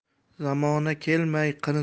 zamona kelmay qirindan